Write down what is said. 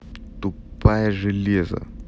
тупая железо